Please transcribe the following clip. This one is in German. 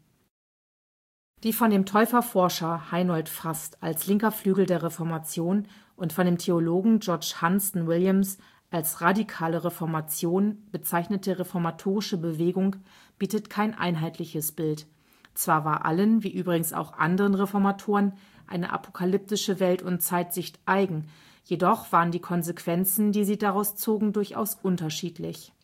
Die von dem Täuferforscher Heinold Fast als linker Flügel der Reformation und von dem Theologen George Huntston Williams als Radikale Reformation bezeichnete reformatorische Bewegung bietet kein einheitliches Bild. Zwar war allen (wie übrigens auch anderen Reformatoren) eine apokalyptische Welt - und Zeitsicht eigen, jedoch waren die Konsequenzen, die sie daraus zogen, durchaus unterschiedlich